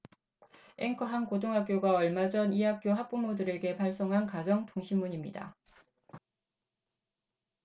앵커 한 고등학교가 얼마 전 이 학년 학부모들에게 발송한 가정통신문입니다